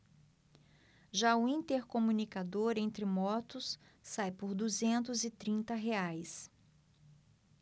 já o intercomunicador entre motos sai por duzentos e trinta reais